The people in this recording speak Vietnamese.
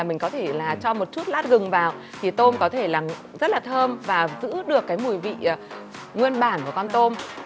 mình có thể là cho một chút lát gừng vào thì tôm có thể làm rất là thơm và giữ được cái mùi vị nguyên bản của con tôm